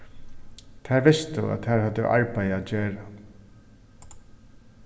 tær vistu at tær høvdu arbeiði at gera